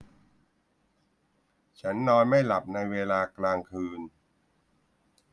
ฉันนอนไม่หลับในเวลากลางคืน